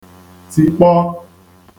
tìkpọ